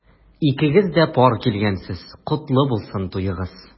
Икегез дә пар килгәнсез— котлы булсын туегыз!